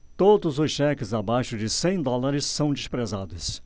todos os cheques abaixo de cem dólares são desprezados